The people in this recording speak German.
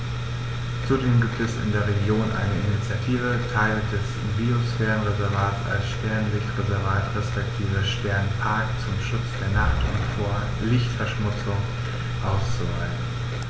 Zudem gibt es in der Region eine Initiative, Teile des Biosphärenreservats als Sternenlicht-Reservat respektive Sternenpark zum Schutz der Nacht und vor Lichtverschmutzung auszuweisen.